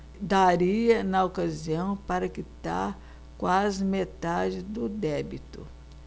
daria na ocasião para quitar quase metade do débito